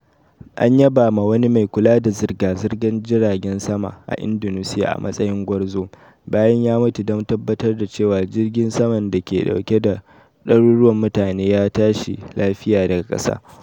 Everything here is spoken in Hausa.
An yaba ma wani mai kula da zirga-zirgar jiragen sama a Indonesiya a matsayin gwarzo bayan ya mutu don tabbatar da cewa jirgin saman da ke dauke da daruruwan mutane ya tashi lafiya daga ƙasa.